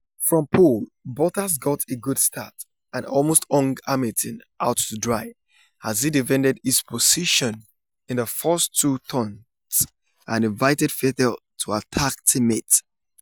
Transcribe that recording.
From pole, Bottas got a good start and almost hung Hamilton out to dry as he defended his position in the first two turns and invited Vettel to attack his teammate.